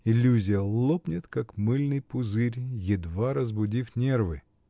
иллюзия лопнет, как мыльный пузырь, едва разбудив нервы!.